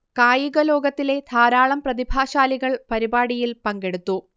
കായിക ലോകത്തിലെ ധാരാളം പ്രതിഭാശാലികൾ പരിപാടിയിൽ പങ്കെടുത്തു